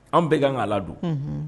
An bɛɛ ka a la don